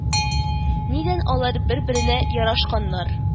Нидән алар бер-беренә ярашканнар